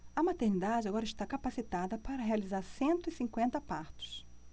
a maternidade agora está capacitada para realizar cento e cinquenta partos